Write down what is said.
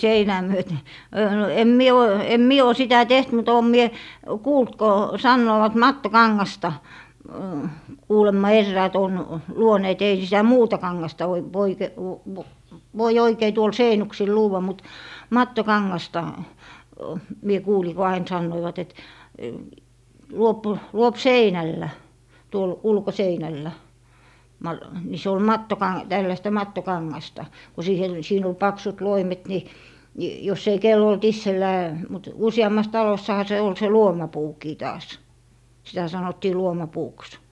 seinää myöten - no en minä ole en minä ole sitä tehnyt mutta olen minä kuullut kun sanovat mattokangasta kuulemma eräät on luoneet ei sitä muuta kangasta ---- voi oikein tuolla seinuksilla luoda mutta mattokangasta minä kuulin kun aina sanoivat että luo luo seinällä tuolla ulkoseinällä - niin se oli - tällaista mattokangasta kun siihen siinä oli paksut loimet niin niin jos ei kenellä ollut itsellään mutta useammassa talossahan se oli se luomapuukin taas sitä sanottiin luomapuuksi